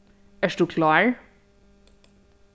ert tú klár